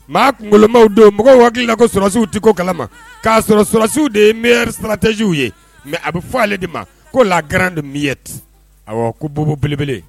Maa kunkologololɔbaww don mɔgɔw waga la ko sɔdasiww deko kalama k'a sɔrɔ sɔdasiww de ye miri saratɛjsiww ye mɛ a bɛ fɔ ale de ma ko la garan mi yeti ko buboelebele